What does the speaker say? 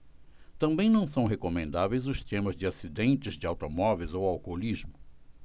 também não são recomendáveis os temas de acidentes de automóveis ou alcoolismo